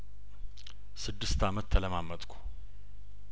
ስድስት አመት ተለማ መጥኩ